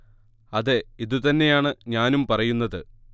അതെ ഇതു തന്നെയാണ് ഞാനും പറയുന്നത്